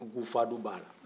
gufadu b'a la